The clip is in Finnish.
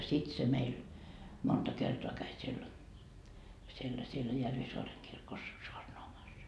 sitten se meillä monta kertaa kävi siellä siellä siellä Järvisaaren kirkossa saarnaamassa